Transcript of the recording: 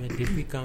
Kan